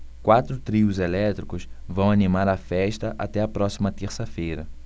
quatro trios elétricos vão animar a festa até a próxima terça-feira